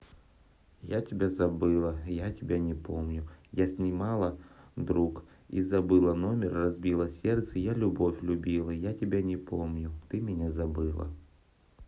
я тебя забыла я тебя не помню я снимала друг и забыла номер разбила сердце я любовь любила я тебя не помню ты меня забыла